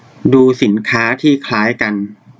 ดูสินค้าที่คล้ายกัน